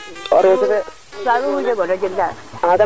a probleme a refa de yaama ñama na ngaan xan jeg ka tiron